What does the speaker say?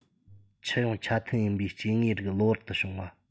ཁྱུ ཡོངས ཆ མཐུན ཡིན པའི སྐྱེ དངོས རིགས གློ བུར དུ བྱུང བ